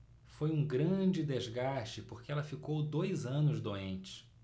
foi um grande desgaste porque ela ficou dois anos doente